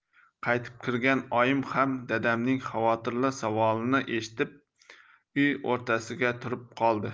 qaytib kirgan oyim ham dadamning xavotirli savolini eshitib uy o'rtasida turib qoldi